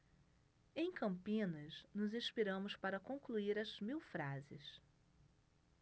em campinas nos inspiramos para concluir as mil frases